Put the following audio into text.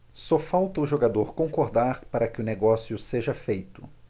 só falta o jogador concordar para que o negócio seja feito